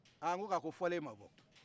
ko nga ko fɔlen ma bɔ